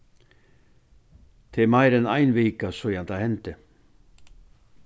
tað er meira enn ein vika síðan tað hendi